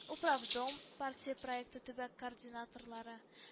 “управдом” партия проекты төбәк координаторлары